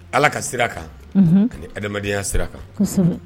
Ala ka sira kan unhun ani adamadenya sira kan kosɛbɛ